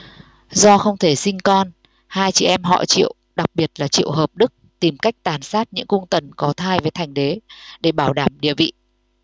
do không thể sinh con hai chị em họ triệu đặc biệt là triệu hợp đức tìm cách tàn sát những cung tần có thai với thành đế để bảo đảm địa vị